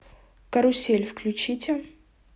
карусель включите